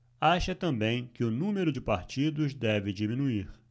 acha também que o número de partidos deve diminuir